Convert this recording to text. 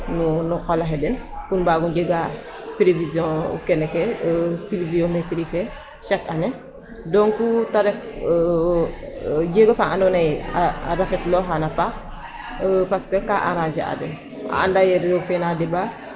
No no qol axe den pour mbaag o njegaa prévision kene ke pluviométrie fe chaque année donc ta ref jeg o fa andoona yee a rafetlooxan a paax. Parce que ka arranger a den a anda ye roog fe na deɓa.